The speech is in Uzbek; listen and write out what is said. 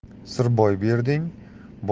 sir boy berding